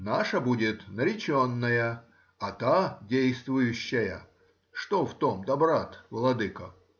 наша будет нареченная, а та действующая,— что в том добра-то, владыко?